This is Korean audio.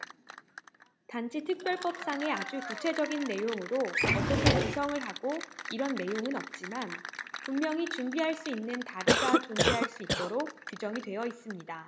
단지 특별법상에 아주 구체적인 내용으로 어떻게 구성을 하고 이런 내용은 없지만 분명히 준비할 수 있는 다리가 존재할 수 있도록 규정이 되어 있습니다